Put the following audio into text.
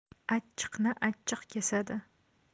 achchiqni achchiq kesadi